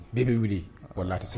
Bɛɛ bɛi wuli wala la tɛ se